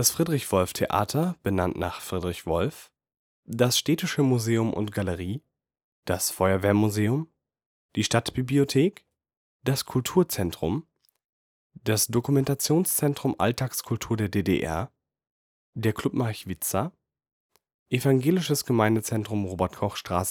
Friedrich-Wolf-Theater (benannt nach Friedrich Wolf) Städtisches Museum und Galerie Feuerwehrmuseum Stadtbibliothek Kulturzentrum Dokumentationszentrum Alltagskultur der DDR Club Hans Marchwitza Evangelisches Gemeindezentrum Robert-Koch-Str.37